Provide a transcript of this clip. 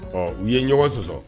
Ɔ u ye ɲɔgɔn sɔsɔ